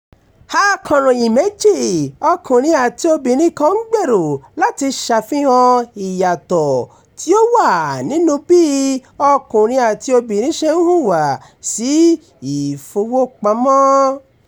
Akọ̀ròyìn méjì, ọkùnrin àti obìnrin kan ń gbèrò láti ṣàfihàn ìyàtọ̀ tí ó wà nínúu bí ọkùnrin àti obìnrin ṣe ń hùwà sí ìfowópamọ́.